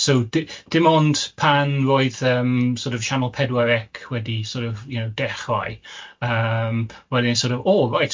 ...so di- dim ond pan roedd yym sort of sianel pedwar ec wedi sort of you know dechrau yym roedden ni sort of o reit.